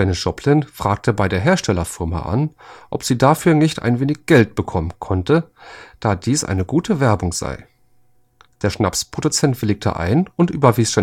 Joplin fragte bei der Herstellerfirma an, ob sie dafür nicht ein wenig Geld bekommen könnte, da dies eine gute Werbung sei. Der Schnapsproduzent willigte ein und überwies